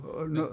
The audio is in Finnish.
- no